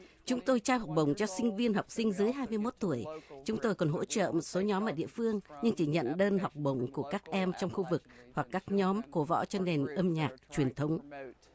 chúng tôi trao học bổng cho sinh viên học sinh dưới hai mươi mốt tuổi chúng tôi còn hỗ trợ một số nhóm ở địa phương nhưng chỉ nhận đơn học bổng của các em trong khu vực hoặc các nhóm cổ võ cho nền âm nhạc truyền thống